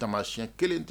Tamasi kelen de